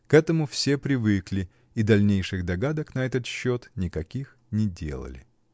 К этому все привыкли и дальнейших догадок на этот счет никаких не делали.